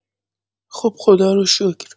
خب خدارو شکر